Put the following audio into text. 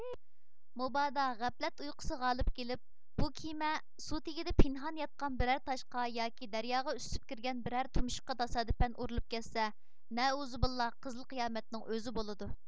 مۇبادا غەپلەت ئۇيقۇسى غالىپ كېلىپ بۇ كېمە سۇ تېگىدە پىنھان ياتقان بىرەر تاشقا ياكى دەرياغا ئۈسۈپ كىرگەن بىرەر تۇمشۇققا تاسادىپەن ئۇرۇلۇپ كەتسە نەئۇزۇبىللا قىزىل قىيامەتنىڭ ئۆزى بولىدۇ